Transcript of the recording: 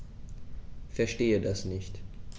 Verstehe das nicht.